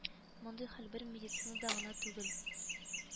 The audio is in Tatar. Мондый хәл бер медицинада гына түгел